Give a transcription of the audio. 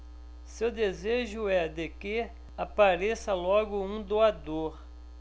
seu desejo é de que apareça logo um doador